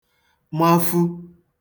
mafu